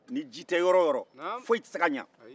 ni ji tɛ yɔrɔ o yɔrɔ foyi tɛ se ka ɲɛ